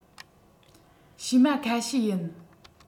བྱེ མ ཁ ཤས ཡིན